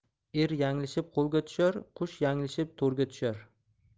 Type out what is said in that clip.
er yanglishib qo'lga tushar qush yanglishib to'rga tushar